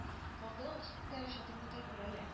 Калкулык өстендәге чатырны да күрәләр